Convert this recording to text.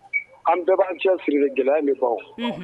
An bɛ b'an cɛ siri gɛlɛya min fɔ